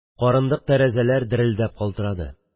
Карындык тәрәзәләр дерелдәп калтырады